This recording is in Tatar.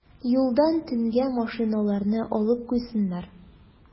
Юлдан төнгә машиналарны алып куйсыннар.